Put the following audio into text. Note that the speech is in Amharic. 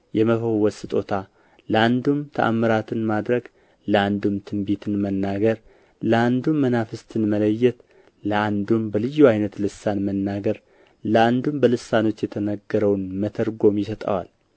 የመፈወስ ስጦታ ለአንዱም ተአምራትን ማድረግ ለአንዱም ትንቢትን መናገር ለአንዱም መናፍስትን መለየት ለአንዱም በልዩ ዓይነት ልሳን መናገር ለአንዱም በልሳኖች የተነገረውን መተርጎም ይሰጠዋል